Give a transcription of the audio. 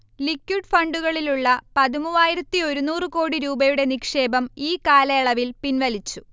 liquid ഫണ്ടുകളിലുള്ള പതിമൂവായിരത്തിഒരുനൂറ് കോടി രൂപയുടെ നിക്ഷേപം ഈകാലയളവിൽ പിൻവലിച്ചു